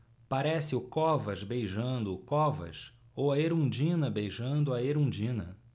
parece o covas beijando o covas ou a erundina beijando a erundina